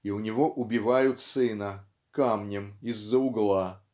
и у него убивают сына камнем из-за угла.